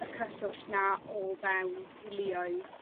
y cyswllt 'na o fewn teuluoedd.